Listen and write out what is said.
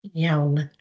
Iawn.